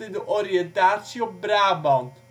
de oriëntatie op Brabant